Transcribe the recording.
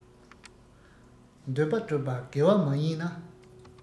འདོད པ སྒྲུབ པ དགེ བ མ ཡིན ན